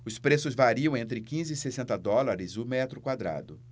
os preços variam entre quinze e sessenta dólares o metro quadrado